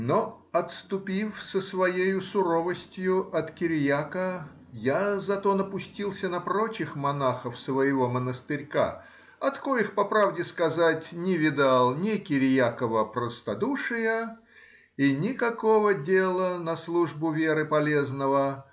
Но отступив со своею суровостию от Кириака, я зато напустился на прочих монахов своего монастырька, от коих, по правде сказать, не видал ни Кириакова простодушия и никакого дела на службу веры полезного